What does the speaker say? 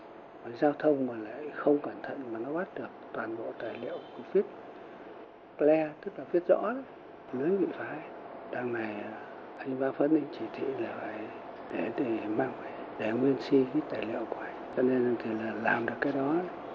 giao thông mà lại không cẩn thận nắm bắt được toàn bộ tài liệu của hít le tất cả viết rõ ví dụ thế đằng này thành và phát lệnh chỉ thị này để để đảm bảo để nguyên xi hít tài liệu cho nên là làm được cái đó